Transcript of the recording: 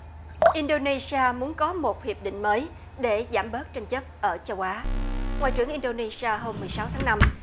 in đô nê si a muốn có một hiệp định mới để giảm bớt tranh chấp ở châu á ngoại trưởng in đô nê si a hôm mười sáu tháng năm